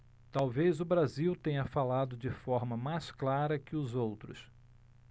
talvez o brasil tenha falado de forma mais clara que os outros